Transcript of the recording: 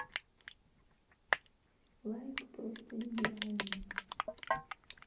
лайк просто идеальный